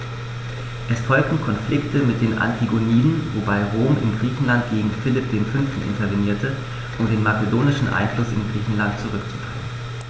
Es folgten Konflikte mit den Antigoniden, wobei Rom in Griechenland gegen Philipp V. intervenierte, um den makedonischen Einfluss in Griechenland zurückzudrängen.